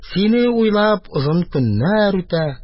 Сине уйлап, озын көннәр үтә